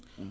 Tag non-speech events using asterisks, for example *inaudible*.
*hesitation* *hesitation*